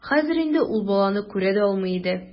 Хәзер инде ул баланы күрә дә алмый иде.